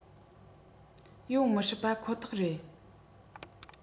ཡོང མི སྲིད པ ཁོ ཐག རེད